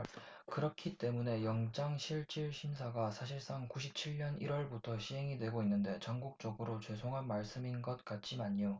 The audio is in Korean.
그렇기 때문에 영장실질심사가 사실상 구십 칠 년 일 월부터 시행이 되고 있는데 전국적으로 죄송한 말씀인 것 같지만요